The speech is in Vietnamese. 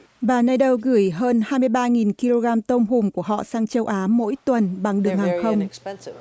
bà nê đâu gửi hơn hai mươi ba nghìn ki lô gam tôm hùm của họ sang châu á mỗi tuần bằng đường hàng không